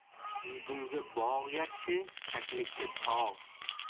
bulbulga bog' yaxshi kaklikka tog'